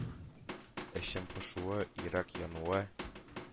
Эчем пошуы, йөрәк януы.